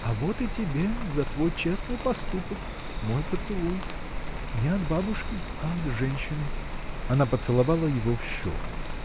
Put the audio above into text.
А вот и тебе, за твой честный поступок, мой поцелуй — не от бабушки, а от женщины. Она поцеловала в щеку.